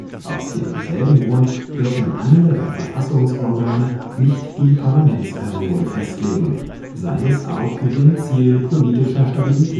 Aus demselben Grund dürfen andere Verfassungsorgane nicht die Parlamentsperiode festlegen, sei es auch mit dem Ziel politischer Stabilität